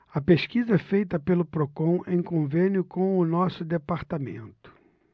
a pesquisa é feita pelo procon em convênio com o diese